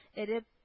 Эреп